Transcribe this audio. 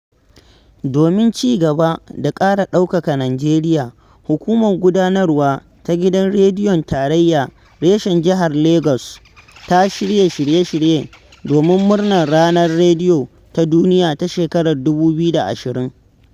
Domin ci gaba da ƙara ɗaukaka Nijeriya, Hukumar Gudanarwa Ta Gidan Rediyon Tarayya reshen Jihar Lagos ya shirya shiye-shirye domin murnar Ranar Rediyo ta Duniya ta shekarar 2020.